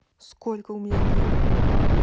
сколько у меня небыло